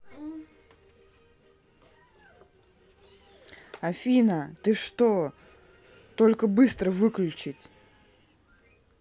афина ты что только быстро выключить